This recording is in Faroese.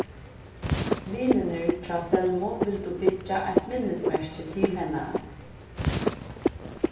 vinirnir hjá selmu vildu byggja eitt minnismerki til hennara